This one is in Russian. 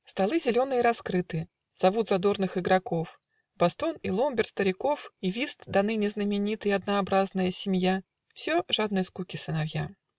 Столы зеленые раскрыты: Зовут задорных игроков Бостон и ломбер стариков, И вист, доныне знаменитый, Однообразная семья, Все жадной скуки сыновья.